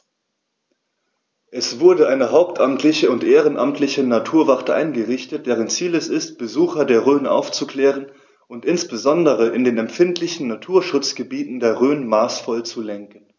Es wurde eine hauptamtliche und ehrenamtliche Naturwacht eingerichtet, deren Ziel es ist, Besucher der Rhön aufzuklären und insbesondere in den empfindlichen Naturschutzgebieten der Rhön maßvoll zu lenken.